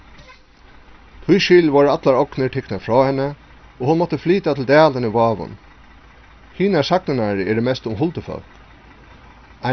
tískil vórðu allar ognir tiknar frá henni og hon mátti flyta til dalin í vágum hinar sagnirnar eru mest um huldufólk